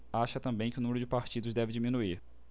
acha também que o número de partidos deve diminuir